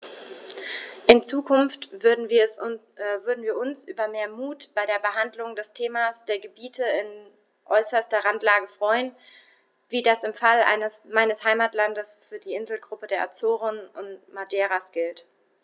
In Zukunft würden wir uns über mehr Mut bei der Behandlung des Themas der Gebiete in äußerster Randlage freuen, wie das im Fall meines Heimatlandes für die Inselgruppen der Azoren und Madeiras gilt.